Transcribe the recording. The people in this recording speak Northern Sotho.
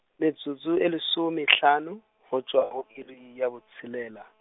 metsotso e lesomehlano, go tšwa go iri ya botshelela.